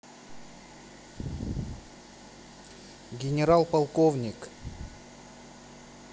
генерал полковник